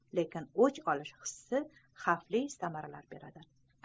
lekin o'ch olish hissi xavfli samaralar beradi